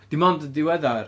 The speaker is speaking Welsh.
Dim ond yn diweddar...